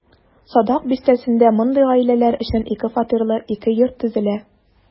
Садак бистәсендә мондый гаиләләр өчен ике фатирлы ике йорт төзелә.